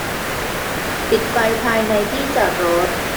ปิดไฟภายในที่จอดรถ